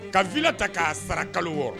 Ka v ta k'a sara kalo wɔɔrɔ